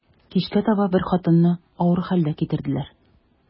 Кичкә таба бер хатынны авыр хәлдә китерделәр.